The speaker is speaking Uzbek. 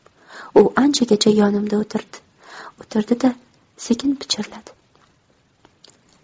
u anchagacha yonimda o'tirdi o'tirdi da sekin pichirladi